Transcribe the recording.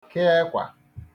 ke ekwa